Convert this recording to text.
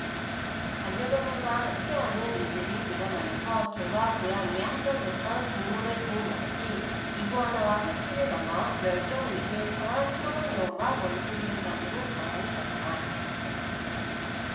반려동물과 함께 하는 이들이 늘어나면서 개와 고양이에 한정됐던 동물의 종 역시 이구아나와 토끼를 넘어 멸종위기에 처한 사막여우와 원숭이 등까지로 다양해졌다